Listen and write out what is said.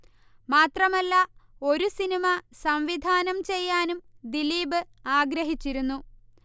മാത്രമല്ല ഒരു സിനിമ സംവിധാനം ചെയ്യാനും ദിലീപ് ആഗ്രഹിച്ചിരുന്നു